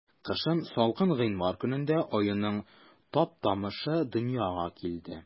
Кышын, салкын гыйнвар көнендә, аюның Таптамышы дөньяга килде.